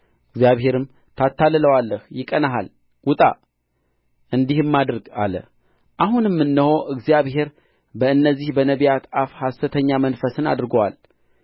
እግዚአብሔርም ታታልለዋለህ ይቀናሃል ውጣ እንዲህም አድርግ አለ አሁንም እነሆ እግዚአብሔር በእነዚህ በነቢያትህ አፍ ሐሰተኛ መንፈስን አድርጎአል